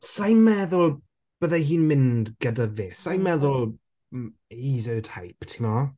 Sa i'n meddwl bydde hi'n mynd gyda fe. Sa i'n meddwl,m- he's her type timod?